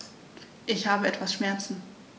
Ich habe etwas Schmerzen.